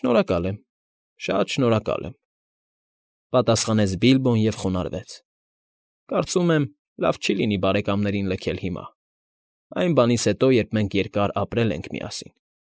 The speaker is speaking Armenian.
Շնորհակալ եմ, շատ շնորհակալ եմ,֊ պատասխանեց Բիլբոն և խոնարհվեց։֊ Կարծում եմ, լավ չի լինի բարեկամներին լքել հիմա, այն բանից հետո, երբ մենք երկար ապրել ենք միասին։